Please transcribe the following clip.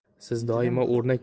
siz doimo o'rnak